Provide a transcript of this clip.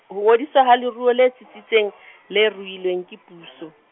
ho ngodiswa ha leruo le tsitsitseng, le ruilweng ke puso.